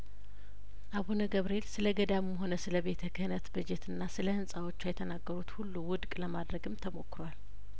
አቡነ ገብርኤል ስለገዳሙም ሆነ ስለቤተ ክህነት በጀትና ስለህንጻዎቿ የተናገሩት ሁሉ ውድቅ ለማድረግም ተሞክሯል